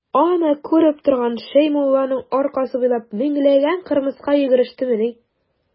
Аны күреп торган Шәймулланың аркасы буйлап меңләгән кырмыска йөгерештемени.